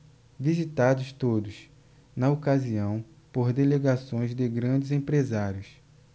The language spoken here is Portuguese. visitados todos na ocasião por delegações de grandes empresários